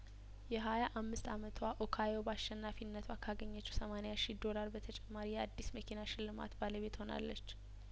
የሀያአምስት አመቷ ኦካዮ ባሸናፊነቷ ካገኘችው ሰማኒያ ሺ ዶላር በተጨማሪ የአዲስ መኪና ሽልማት ባለቤት ሆናለች